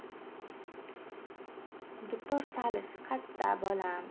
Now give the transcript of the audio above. dutor chalish qatta bolam